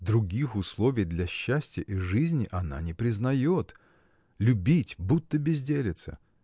Других условий для счастья и жизни она не признает. Любить – будто безделица?